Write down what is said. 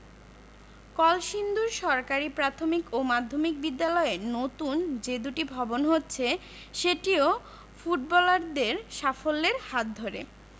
কলসিন্দুর সরকারি প্রাথমিক ও মাধ্যমিক বিদ্যালয়ে নতুন যে দুটি ভবন হচ্ছে সেটিও ফুটবলারদের সাফল্যের হাত ধরে